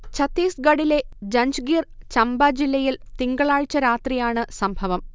ചത്തീസ്ഗഢിലെ ജഞ്ച്ഗിർ ചമ്പ ജില്ലയിൽ തിങ്കളാഴ്ച്ച രാത്രിയാണ് സംഭവം